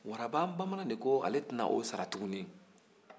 waraban bamanan de ko ale tɛna o sara tuguni